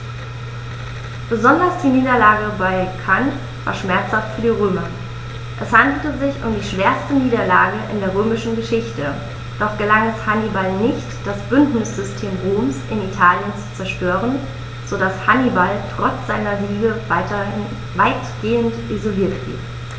Besonders die Niederlage bei Cannae war schmerzhaft für die Römer: Es handelte sich um die schwerste Niederlage in der römischen Geschichte, doch gelang es Hannibal nicht, das Bündnissystem Roms in Italien zu zerstören, sodass Hannibal trotz seiner Siege weitgehend isoliert blieb.